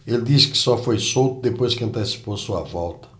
ele disse que só foi solto depois que antecipou sua volta